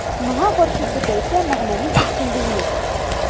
Моңа каршы Фирдәүсә мәгънәле итеп көлде генә.